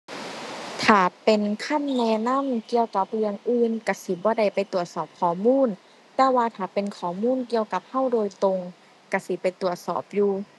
ถ้าเป็นคำแนะนำเกี่ยวกับเรื่องอื่นก็สิบ่ได้ไปตรวจสอบข้อมูล แต่ว่าถ้าเป็นข้อมูลเกี่ยวกับก็โดยตรงก็สิไปตรวจสอบอยู่